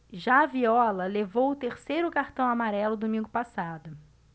já viola levou o terceiro cartão amarelo domingo passado